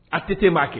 A TT m'a kɛ